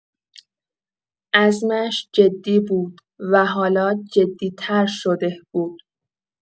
عزمش جدی بود و حالا جدی‌تر شده بود.